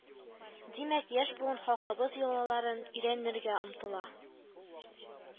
Димәк, яшь буын халкыбыз йолаларын өйрәнергә омтыла